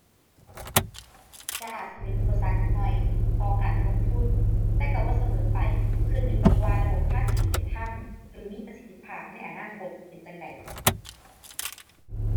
ก็อาจสิเป็นอุปสรรคจักหน่อยต่อการลงทุน แต่ก็บ่เสมอไป ขึ้นอยู่กับว่าระบบภาษีเป็นธรรม หรือมีประสิทธิภาพในอนาคตเป็นจั่งใด